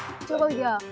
chưa bao giờ